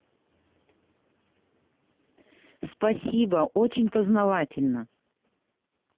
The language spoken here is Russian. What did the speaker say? спасибо очень познавательно